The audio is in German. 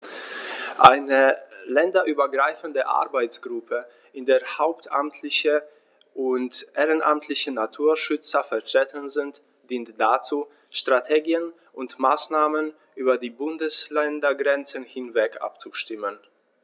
Eine länderübergreifende Arbeitsgruppe, in der hauptamtliche und ehrenamtliche Naturschützer vertreten sind, dient dazu, Strategien und Maßnahmen über die Bundesländergrenzen hinweg abzustimmen.